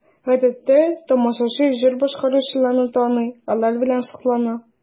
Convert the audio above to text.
Гадәттә тамашачы җыр башкаручыларны таный, алар белән соклана.